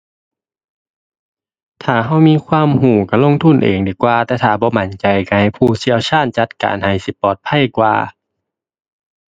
ถ้าเรามีความเราเราลงทุนเองดีกว่า แต่ว่าถ้าบ่มั่นใจเราให้ผู้เชี่ยวชาญจัดการให้ สิปลอดภัยกว่า